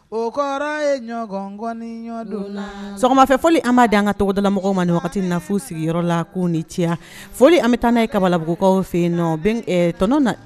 O kɔrɔ ye ɲɔgɔnɔnidon lama fɛ fɔ an ma di an kadalamɔgɔ ma na na nafolo sigiyɔrɔ la ko ni ce foli an bɛ taa n' ye kabalabugukaw fɛ yen nɔ tɔnɔ na